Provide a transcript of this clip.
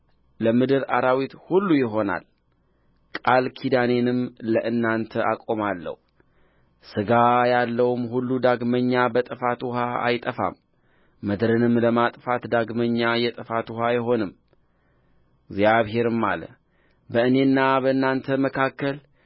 ለምድር አራዊት ሁሉ ይሆናል ቃል ኪዳኔንም ለእናንተ አቆማለሁ ሥጋ ያለውም ሁሉ ዳግመኛ በጥፋት ውኃ አይጠፋም ምድርንም ለማጥፋት ዳግመኛ የጥፋት ውኃ አይሆንም እግዚአብሔርም አለ በእኔና በእናንተ መካከል